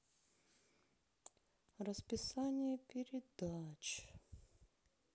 расписание передач